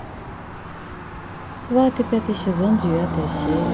сваты пятый сезон девятая серия